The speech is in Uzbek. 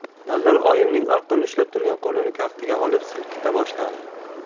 dallol oyimning arqon ushlab turgan qo'lini kaftiga olib silkita boshladi